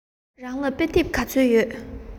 རང ལ དཔེ དེབ ག ཚོད ཡོད